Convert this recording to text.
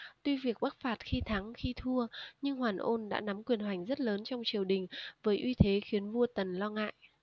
tuy việc bắc phạt khi thắng khi thua nhưng hoàn ôn đã nắm quyền hành rất lớn trong triều đình với uy thế khiến vua tấn lo ngại